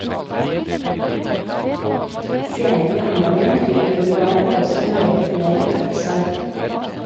Senere i omgangen fikk Paraguay også annullert et mål for offside.